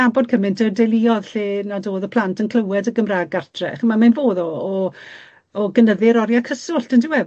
nabod cyment o deuluodd lle nad o'dd y plant yn clywed y Gymra'g gartre. Ch'mo' mae'n fodd o o o gynyddu'r orie cyswllt yndyw e?